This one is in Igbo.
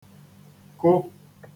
kụ